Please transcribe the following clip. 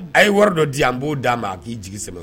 A ye wari dɔ di an b'o da ma k'i jigi sɛ